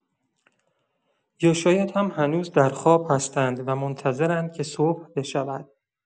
یا شاید هم هنوز در خواب هستند و منتظرند که صبح بشود!